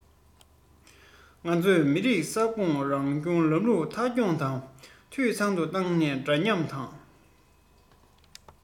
ང ཚོས མི རིགས ས ཁོངས རང སྐྱོང ལམ ལུགས མཐའ འཁྱོངས དང འཐུས ཚང དུ བཏང ནས འདྲ མཉམ དང